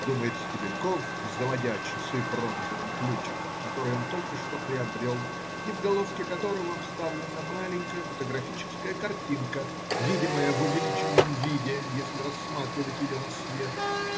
думает Стебельков, заводя часы бронзовым ключиком, который он только что приобрел и в головке которого вставлена маленькая фотографическая картинка, видимая в увеличенном виде, если рассматривать ее на свет.